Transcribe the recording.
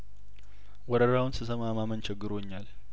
ወረራውን ስሰማ ማመን ቸግሮኛል